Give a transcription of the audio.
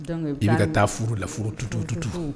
Donc i bɛ ka taa furu la furututu tutu